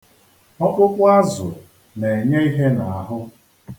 Ọkpụkpụ azụ na-enye ihe n'ahụ.